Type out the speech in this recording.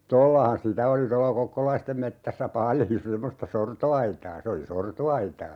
tuollahan sitä oli tuolla kokkolaisten metsässä paljon semmoista sortoaitaa se oli sortoaitaa